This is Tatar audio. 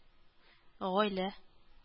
Гаилә